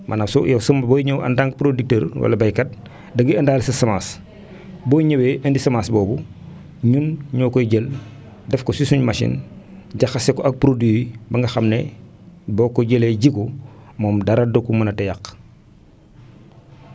maanaam soo yow soo booy ñëw en tant que producteur wala baykat da ngay indaale sa semence boo ñëwee indi semence boobu ñun ñoo koy jël def ko si suñ machine jaxase ko ak produit ba nga xam ne boo ko jëlee ji ko moom dara du ko mënatee yàq